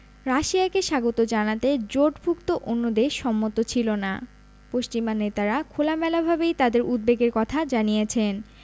রাশিয়াকে স্বাগত জানাতে জোটভুক্ত অন্য দেশ সম্মত ছিল না পশ্চিমা নেতারা খোলামেলাভাবেই তাঁদের উদ্বেগের কথা জানিয়েছেন